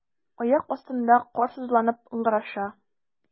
Аяк астында кар сызланып ыңгыраша.